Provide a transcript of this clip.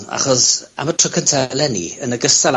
...achos am y tro cynta eleni, yn ogystal â...